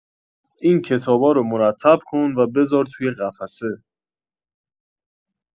این کتابا رو مرتب کن و بذار توی قفسه